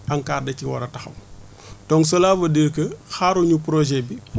ANCAR da ciy war a taxaw donc cela veut dire que xaaru ñu projet bi